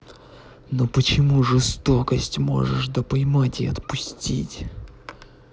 ну почему жестокость можешь да поймать и отпустить